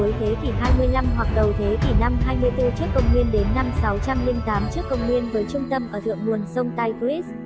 từ cuối thế kỷ hoặc đầu thế kỉ trước công nguyên đến năm trước công nguyên với trung tâm ở thượng nguồn sông tigris